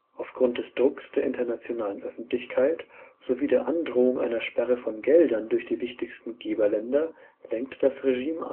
Aufgrund des Drucks der internationalen Öffentlichkeit sowie der Androhung einer Sperre von Geldern durch die wichtigsten Geberländer lenkte das Regime